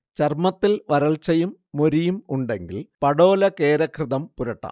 ചർമത്തിൽ വരൾച്ചയും മൊരിയും ഉണ്ടെങ്കിൽ പടോലകേരഘൃതം പുരട്ടാം